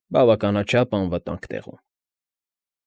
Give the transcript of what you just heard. Բավականաչափ անվտանգ տեղում։